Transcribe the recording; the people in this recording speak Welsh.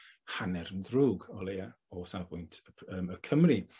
hanner yn ddrwg, o leia o safbwynt y p- yym y Cymry.